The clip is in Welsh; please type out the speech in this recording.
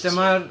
Lle mae'r?